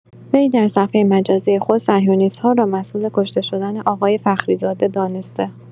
وی در صفحه مجازی خود «صهیونیست‌ها» را مسئول کشته شدن آقای فخری زاده دانسته